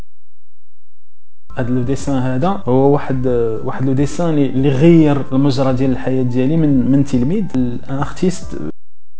هو واحد واحد ثاني غير مدرج لحيه زين منتي ميد اختي